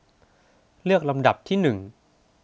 เลือกลำดับที่หนึ่ง